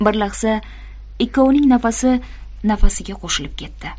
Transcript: bir lahza ikkovining nafasi nafasiga qo'shilib ketdi